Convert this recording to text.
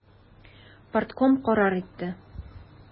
Партком карар итте.